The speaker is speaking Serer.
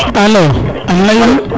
alo an leyun